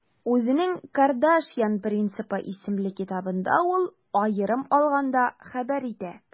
Үзенең «Кардашьян принципы» исемле китабында ул, аерым алганда, хәбәр итә: